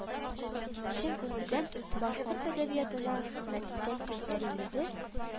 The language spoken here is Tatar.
Чын күңелдән башкорт әдәбиятына хезмәт иткән типтәр егете